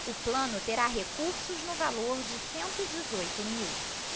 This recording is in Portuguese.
o plano terá recursos no valor de cento e dezoito mil